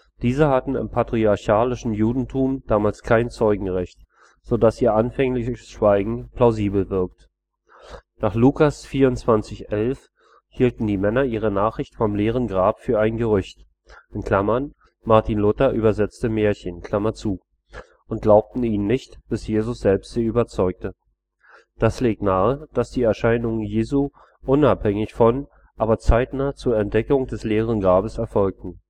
Diese hatten im patriarchalischen Judentum damals kein Zeugenrecht, so dass ihr anfängliches Schweigen plausibel wirkt. Nach Lk 24,11 EU hielten die Männer ihre Nachricht vom leeren Grab für ein „ Gerücht “(Martin Luther übersetzte: „ Märchen “) und glaubten ihnen nicht, bis Jesus selbst sie überzeugte. Das legt nahe, dass die Erscheinungen Jesu unabhängig von, aber zeitnah zur Entdeckung des leeren Grabes erfolgten